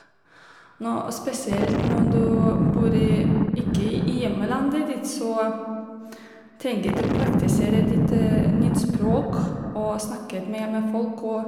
nå Og spesielt når du bor i ikke i hjemlandet ditt, så trenger du praktisere ditt nytt språk og snakket mer med folk og...